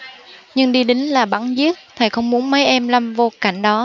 nhưng đi lính là bắn giết thầy không muốn mấy em lâm vô cảnh đó